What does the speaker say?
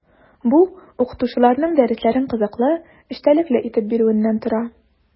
Бу – укытучыларның дәресләрен кызыклы, эчтәлекле итеп бирүеннән тора.